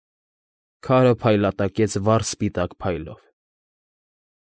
Քարը փայլատակեց վառ սպիտակ փայլով։